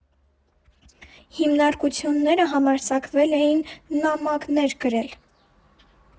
Հիմնարկությունները համարձակվել էին նամակներ գրել.